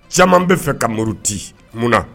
Caman bɛ fɛ ka muru di k